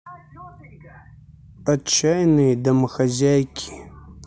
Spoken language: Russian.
отчаянные домохозяйки